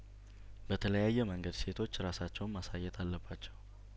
በተለያየ መንገድ ሴቶች ራሳቸውን ማሳየት አለባቸው